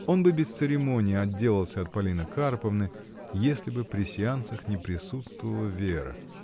Он бы без церемонии отделался от Полины Карповны, если б при сеансах не присутствовала Вера.